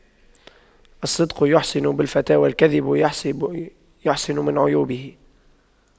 الصدق يحسن بالفتى والكذب يحسب من عيوبه